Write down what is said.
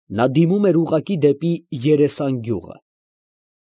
Նա դիմում էր ուղղակի դեպի Երեսան գյուղը։